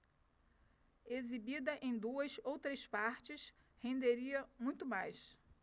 exibida em duas ou três partes renderia muito mais